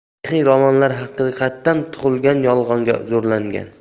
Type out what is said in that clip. tarixiy romanlar haqiqatdan tug'ilgan yolg'onga zo'rlangan